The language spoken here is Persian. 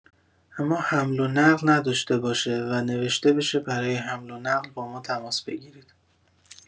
اما حمل و نقل نداشته باشه و نوشته بشه برای حمل و نقل با ما تماس بگیرید.